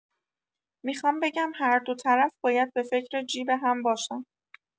میخوام بگم هر دو طرف باید به فکر جیب هم باشن.